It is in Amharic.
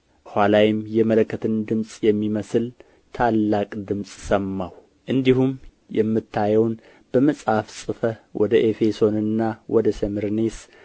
በኋላዬም የመለከትን ድምፅ የሚመስል ትላቅ ድምፅ ሰማሁ እንዲሁም የምታየውን በመጽሐፍ ጽፈህ ወደ ኤፌሶንና ወደ ሰምርኔስ